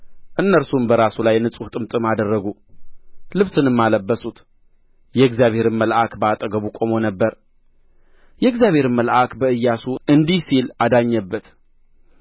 እነርሱም በራሱ ላይ ንጹሕ ጥምጥም አደረጉ ልብስንም አለበሱት የእግዚአብሔርም መልአክ በአጠገቡ ቆሞ ነበር የእግዚአብሔርም መልአክ በኢያሱ እንዲህ ሲል አዳኘበት